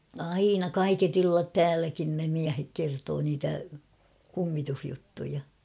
aina kaiket illat täälläkin ne miehet kertoo niitä kummitusjuttuja